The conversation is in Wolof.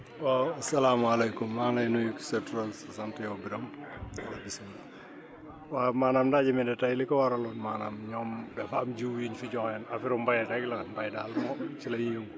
waaw asalaamaaleykum maa ngi lay nuyu sa tur ak sa sant yow Birame waaw maanaam laaj yi tey li ko waraloon maanaam ñoom dafa am jiw yuñ fi joxe woon affaire mbéy rek la mbéy daal moom ci la ñuy yëngu